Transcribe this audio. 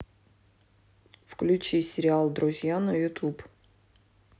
включи сериал друзья на ютуб